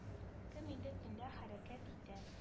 Кем инде төнлә хәрәкәт итә